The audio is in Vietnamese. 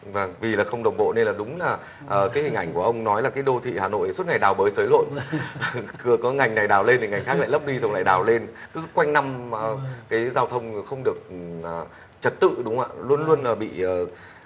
vầng vì là không đồng bộ nên là đúng là ờ cái hình ảnh của ông nói là cái đô thị hà nội suốt ngày đào bới xới lộn cửa có ngành này đào lên thì ngành khác lại lấp đi xong lại đào lên cứ quanh năm cái giao thông không được là trật tự đúng ạ luôn luôn là bị ờ